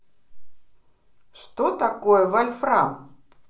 что такое вольфрам